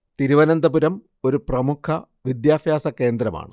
തിരുവനന്തപുരം ഒരു പ്രമുഖ വിദ്യാഭ്യാസ കേന്ദ്രമാണ്